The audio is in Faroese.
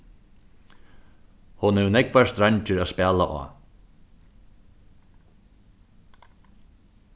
hon hevur nógvar streingir at spæla á